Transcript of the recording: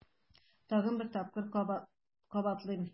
Тагын бер тапкыр кабатлыйм: